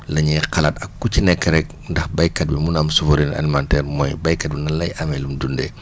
la ñuy xalaat ak ku ci nekk rek ndax béykat bi mun a am souveraineté alimentaire mooy béykat bi nan lay amee lum dundee